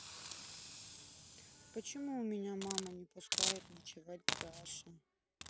почему у меня мама не пускает ночевать к даше